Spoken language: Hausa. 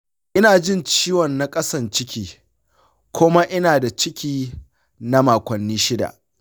ina jin ciwon na ƙasan ciki kuma ina da ciki na makonni shida.